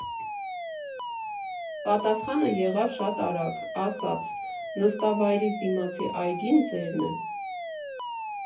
Պատասխանը եղավ շատ արագ, ասաց՝ նստավայրիս դիմացի այգին ձերն է։